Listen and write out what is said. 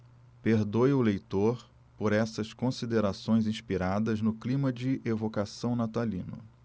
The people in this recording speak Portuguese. perdoe o leitor por essas considerações inspiradas no clima de evocação natalino